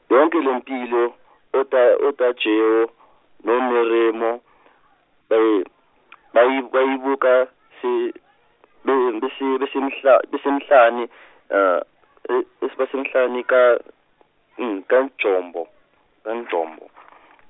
yonke lempilo oTa- oTajewo, noMeremo bayi- bayi- bayibuka se- be- besi- besemhla- besemhlane , besemhlane ka kaNjombo, kaNjombo.